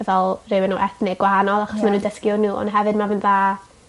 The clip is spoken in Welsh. yy fel rhywun o ethnig gwahanol achos ma' nw'n dysgu o n'w on' hefyd ma fe'n dda